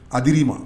A dir'i ma